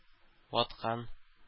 Ваткан